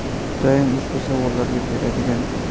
doim ushbu savollarga beradigan